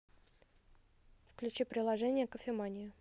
включи приложение кофемания